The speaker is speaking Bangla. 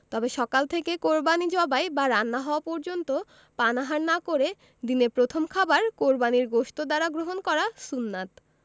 তবে সকাল থেকে কোরবানি জবাই ও রান্না হওয়া পর্যন্ত পানাহার না করে দিনের প্রথম খাবার কোরবানির গোশত দ্বারা গ্রহণ করা সুন্নাত